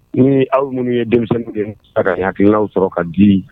aw minnu ye denmisɛnninw ye, a k'a ka hakilinanw sɔrɔ ka di.